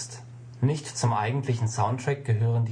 zum eigentlichen Soundtrack gehören